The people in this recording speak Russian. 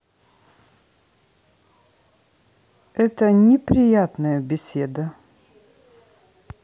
это неприятная беседа